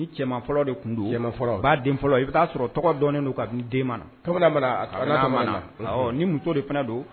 Ni cɛ fɔlɔ de tun don fɔlɔ baa den fɔlɔ i bɛ'a sɔrɔ tɔgɔ dɔnen don ka den ma ni muso de fana don